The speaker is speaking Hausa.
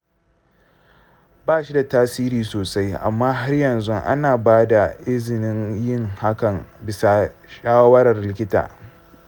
ba shi da tasiri sosai, amma har yanzu ana ba da izinin yin hakan bisa shawarar likita.